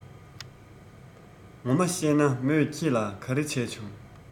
ངོ མ གཤད ན མོས ཁྱེད ལ ག རེ བྱས བྱུང